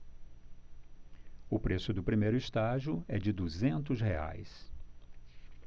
o preço do primeiro estágio é de duzentos reais